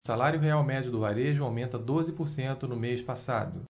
salário real médio do varejo aumenta doze por cento no mês passado